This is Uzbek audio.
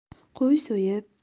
qo'y so'yib